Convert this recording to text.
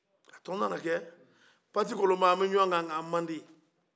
a tɔ nana kɛ patikoloba an bɛ ɲɔgɔn kan nka an madi